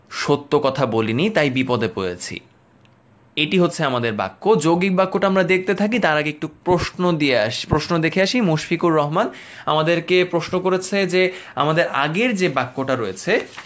সত্য কথা বলিনি তাই বিপদে পড়েছি এটি হচ্ছে আমাদের বাক্য যৌগিক বাক্য টি আমরা দেখতে থাকি তার আগে একটু প্রশ্ন ডিয়াসি দেখে আসি মুশফিকুর রহমান আমাদেরকে প্রশ্ন করেছে যে আমাদের আগের যে বাক্যটা রয়েছে